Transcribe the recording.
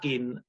gin